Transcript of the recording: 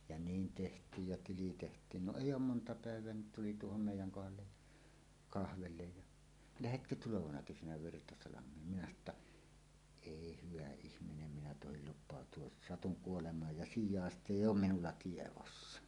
ja niin tehtiin ja tili tehtiin no ei ole monta päivää niin tuli tuohon meidän kohdalle ja kahville ja lähdetkö tulevana kesänä Virtasalmeen minä sanoi jotta ei hyvä ihminen minä tohdi lupautua satun kuolemaan ja sijaista ei ole minulla tiedossa